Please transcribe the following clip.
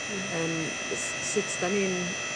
yym s- sut 'dan ni'n